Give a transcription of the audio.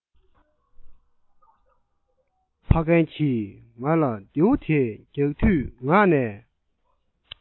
ཕ རྒན གྱིས ང ལ རྡེའུ དེས རྒྱག དུས ངག ནས